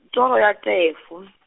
toro ya Tefo .